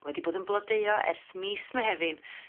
wedi bod yn blodeuo ers mis Mehefin